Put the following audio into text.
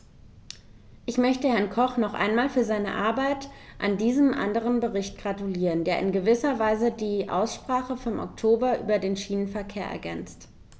Ich möchte Herrn Koch noch einmal für seine Arbeit an diesem anderen Bericht gratulieren, der in gewisser Weise die Aussprache vom Oktober über den Schienenverkehr ergänzt.